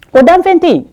A danfɛn ten